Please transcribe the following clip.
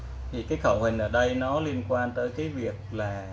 cái khẩu hình miệng này nó liên quan tới